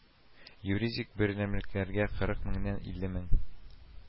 Юридик берәмлекләргә кырык меңнән илле мең